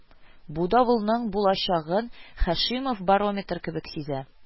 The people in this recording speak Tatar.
Бу давылның булачагын Һашимов барометр кебек сизә